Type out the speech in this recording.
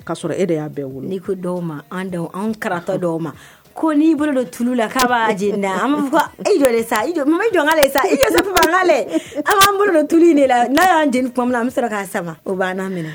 Ka sɔrɔ e de y'a ni ko di' ma an anw karatatɔ di aw ma ko n' bolo don tulu la k'a b'a da e sa bɛka le sa i an b'an bolo don tulu de la n'a y'an jeli min an bɛ k'a san o'' minɛ